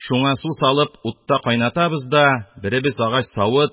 Шуңа су салып, утта кайнатабыз да, беребез агач савыт,